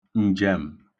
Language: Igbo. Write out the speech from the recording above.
ǹjèm